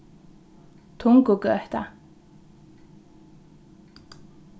tungugøta